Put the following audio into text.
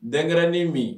Den kɛrara ni min